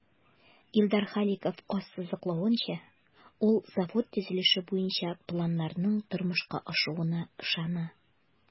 Илдар Халиков ассызыклавынча, ул завод төзелеше буенча планнарның тормышка ашуына ышана.